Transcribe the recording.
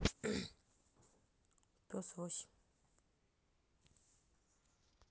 пес восемь